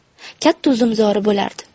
katta uzumzori bo'lardi